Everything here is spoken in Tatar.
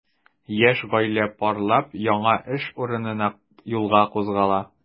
Яшь гаилә парлап яңа эш урынына юлга кузгала.